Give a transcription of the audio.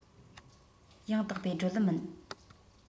ཡང དག པའི བགྲོད ལམ མིན